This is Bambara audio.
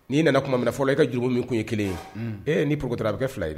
N'i nana kuma min na fɔ e ka juru munu kun ye kelen ye, ee ni porokoto la a be kɛ fila ye.